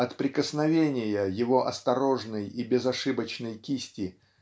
от прикосновения его осторожной и безошибочной кисти